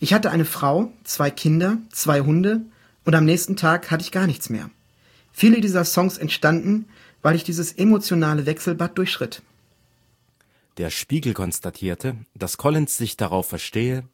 hatte eine Frau, zwei Kinder, zwei Hunde, und am nächsten Tag hatte ich gar nichts mehr. Viele dieser Songs entstanden, weil ich dieses emotionale Wechselbad durchschritt. “Der Spiegel konstatierte, dass Collins sich darauf verstehe